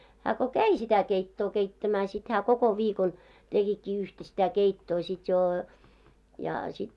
hän kun kävi sitä keittoa keittämään sitten hän koko viikon tekikin yhtä sitä keittoa sitten jo ja sitten